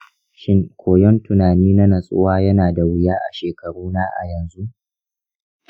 shin koyon tunani na natsuwa yana da wuya a shekaruna a yanzu?